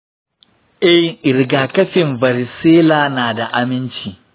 eh, rigakafin varicella na da aminci.